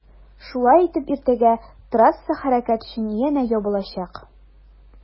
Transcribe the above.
Шулай итеп иртәгә трасса хәрәкәт өчен янә ябылачак.